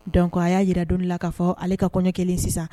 Donc a ya yira don dɔ la ka fɔ ale ka kɔɲɔ kɛlen sisan